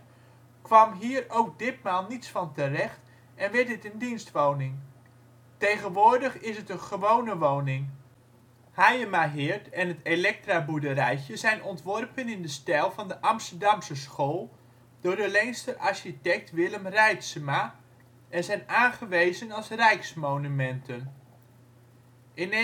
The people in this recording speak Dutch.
kwam hier ook ditmaal niets van terecht en werd dit een dienstwoning. Tegenwoordig is het een gewone woning. Hayemaheerd en het Electraboerderijtje zijn ontworpen in de stijl van de Amsterdamse School door de Leenster architect Willem Reitsema en zijn aangewezen als rijksmonumenten. In 1919-20